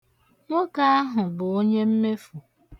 Nwoke ahụ bụ onye mmefu.